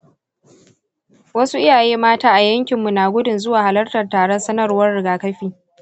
wasu iyaye mata a yankinmu na gudun zuwa halartar taron sanarwar rigakafi.